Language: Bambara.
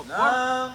Nka